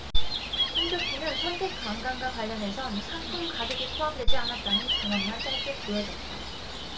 홈쇼핑은 선택관광과 관련해선 상품 가격에 포함되지 않았다는 자막만 짧게 보여줬다